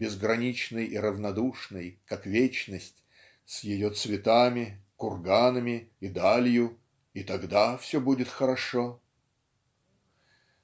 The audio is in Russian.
безграничной и равнодушной как вечность с ее цветами курганами и далью и тогда будет хорошо"?